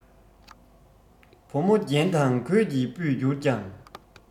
བུ མོ རྒྱན དང གོས ཀྱིས སྤུད གྱུར ཀྱང